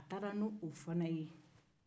a taara ni o fana ye